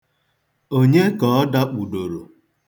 Onye ka ọ dakpudoro?